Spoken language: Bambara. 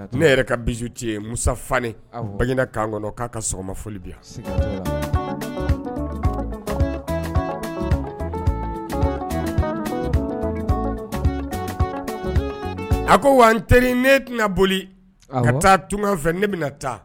Ne yɛrɛ ka bin ci ye musafa baina kan kɔnɔ k'a ka sɔgɔma foli a ko wa an teri ne tɛna boli ka taa tunga fɛ ne bɛna taa